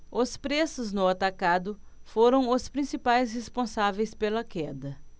os preços no atacado foram os principais responsáveis pela queda